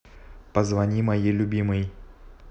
позвони моей любимой